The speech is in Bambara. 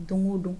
Don o don